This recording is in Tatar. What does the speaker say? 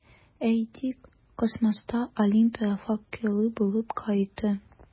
Әйтик, космоста Олимпия факелы булып кайтты.